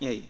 eeyi